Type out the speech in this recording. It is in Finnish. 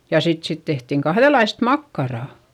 ja sitten siitä tehtiin kahdenlaista makkaraa